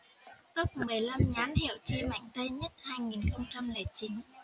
top mười lăm nhãn hiệu chi mạnh tay nhất hai nghìn không trăm lẻ chín